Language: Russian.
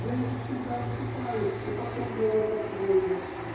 я ему всегда уступаю и потом делаю по своему.